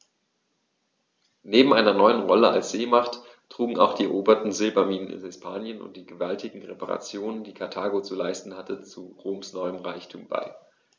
Neben seiner neuen Rolle als Seemacht trugen auch die eroberten Silberminen in Hispanien und die gewaltigen Reparationen, die Karthago zu leisten hatte, zu Roms neuem Reichtum bei.